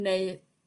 neu...